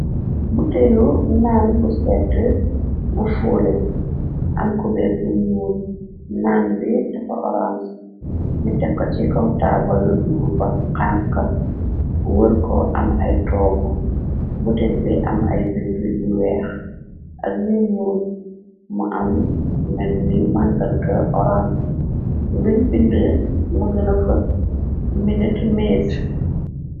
butelu naan bu sedd bu foole am kubeer bu ñuur naan bi defa orang ni tekko ci kaw taabal lu ban xanka wër ko am ay toogu butel bi am ay bind yu weex ak yu ñuur mu am menni màndarga orange luñ bind më gëna fë minit meit